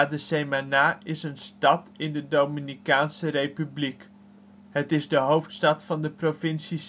de Samaná is een stad in de Dominicaanse Republiek, de hoofdstad van de provincie